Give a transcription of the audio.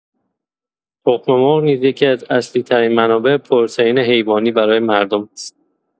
تخم‌مرغ نیز یکی‌از اصلی‌ترین منابع پروتئین حیوانی برای مردم است.